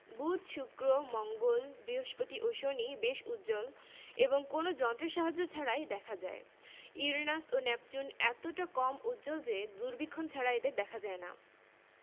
ভারত বহুজাতি সম্প্রদায় ও ভাষাগোষ্ঠীর মানুষের একটি দেশ এ দেশে হিন্দু মুসলমান বৌদ্ধ শিখ খ্রিস্টান জৈনসহ বহু ধর্মের লোক বাস করে বাংলাদেশের সঙ্গে ভারতের বন্ধুত্তপূর্ণ সম্পর্ক রয়ছে